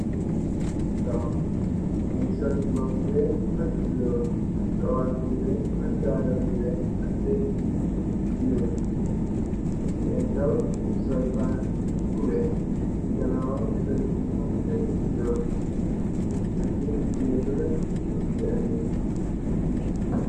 Njee nii njii daw, njungy sol mbuba bu wekh ak lu bleu, ak kawass bu wekh ak daalah bu wekh, ak legs yu njull, njui daw njungy sol band bu wekh, cii ganaw fence mung fa fence bu bleu, ak nit mungeh duga ci beh benah nehgg.